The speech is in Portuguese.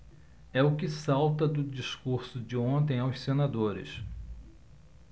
é o que salta do discurso de ontem aos senadores